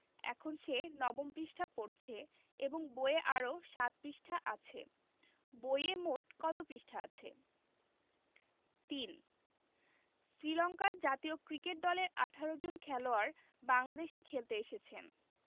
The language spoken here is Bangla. এখন সে নবম পৃষ্ঠা পড়ছে এবং বইয়ে আরও ৭ পৃষ্ঠা আছে বইয়ে মোট কত পৃষ্ঠা আছে ৩ শ্রীলংকার জাতীয় ক্রিকেট দলের ১৮ জন খেলোয়াড় বাংলাদেশে খেলতে এসেছেন